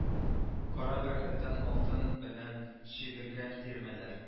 Кара бәрхеттән алтын белән чигелгән тирмәләр